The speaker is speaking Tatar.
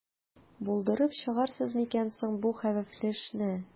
Булдырып чыгарсыз микән соң бу хәвефле эшне?